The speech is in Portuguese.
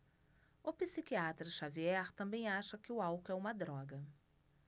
o psiquiatra dartiu xavier também acha que o álcool é uma droga